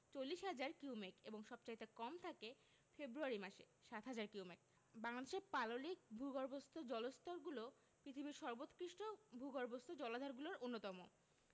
চল্লিশ হাজার কিউমেক এবং সবচাইতে কম থাকে ফেব্রুয়ারি মাসে ৭হাজার কিউমেক বাংলাদেশের পাললিক ভূগর্ভস্থ জলস্তরগুলো পৃথিবীর সর্বোৎকৃষ্টভূগর্ভস্থ জলাধারগুলোর অন্যতম